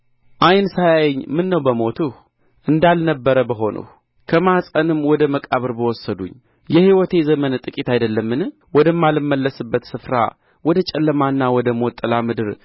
ዓይን ሳያየኝ ምነው በሞትሁ እንዳልነበረ በሆንሁ ከማኅፀንም ወደ መቃብር በወሰዱኝ የሕይወቴ ዘመን ጥቂት አይደለምን ወደማልመለስበት ስፍራ ወደ ጨለማና ወደ ሞት ጥላ ምድር